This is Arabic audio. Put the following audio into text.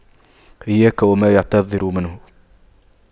إياك وما يعتذر منه